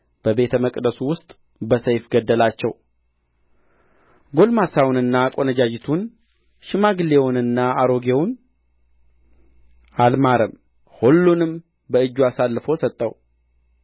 በቤተ መቅደሱ ውስጥ በሰይፍ ገደላቸው ጕልማሳውንና ቈንጆይቱን ሽማግሌውንና አሮጌውን አልማረም ሁሉንም በእጁ አሳልፎ ሰጠው የእግዚአብሔርንም ቤት ዕቃ ሁሉ ታላቁንና ታናሹን